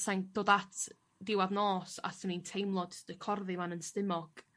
'sain dod at diwadd nos a 'swn in teimlo jys y corddi lan 'yn stumog.